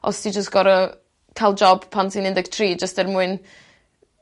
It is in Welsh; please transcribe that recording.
Os ti jys gor'o' ca'l job pan 'ti'n un deg tri jyst er mwyn